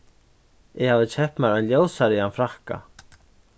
eg havi keypt mær ein ljósareyðan frakka